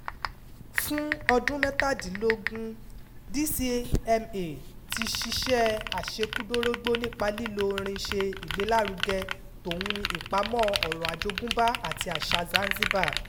Fún ọdún mẹ́tàdínlógún, DCMA ti ṣiṣẹ́ àṣekúdórógbó nípa lílo orin ṣe ìgbélárugẹ tòun ìpamọ́ ọ̀rọ̀ àjogúnbá àti àṣà Zanzibar.